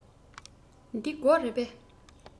འདི སྒོ རེད པས